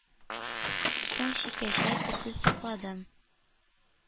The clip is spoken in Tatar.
Соң чиккәчә керсез сакладым.